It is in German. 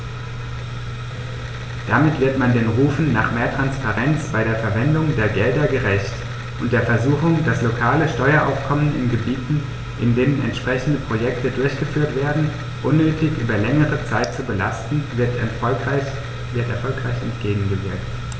Damit wird man den Rufen nach mehr Transparenz bei der Verwendung der Gelder gerecht, und der Versuchung, das lokale Steueraufkommen in Gebieten, in denen entsprechende Projekte durchgeführt werden, unnötig über längere Zeit zu belasten, wird erfolgreich entgegengewirkt.